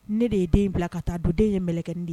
Ne de ye den in bila ka taa don den in ye mɛlɛkɛnin de ye